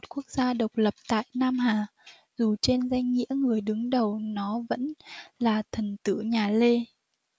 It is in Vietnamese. quốc gia độc lập tại nam hà dù trên danh nghĩa người đứng đầu nó vẫn là thần tử nhà lê